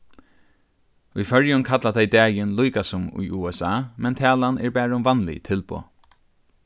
í føroyum kalla tey dagin líka sum í usa men talan er bara um vanlig tilboð